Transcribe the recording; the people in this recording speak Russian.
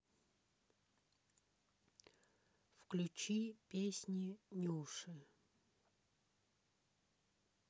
включи песни нюши